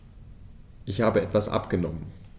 Ich habe etwas abgenommen.